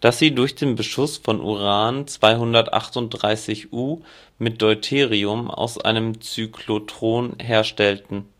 das sie durch den Beschuss von Uran 238U mit Deuterium aus einem Zyklotron herstellten